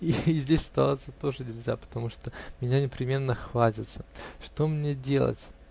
и здесь оставаться тоже нельзя, потому что меня непременно хватятся. Что мне делать?